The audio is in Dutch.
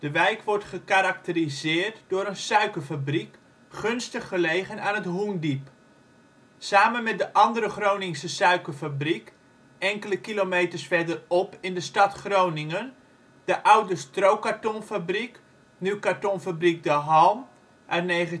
wijk wordt gekarakteriseerd door de suikerfabriek, gunstig gelegen aan het Hoendiep. Samen met de andere Groningse suikerfabriek — enkele kilometers verderop in de stad Groningen — de oude strokartonfabriek, nu kartonfabriek " de Halm " (1913